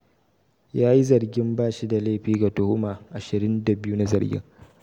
Ya yi zargin ba shi da laifi ga tuhuma 22 na zargin.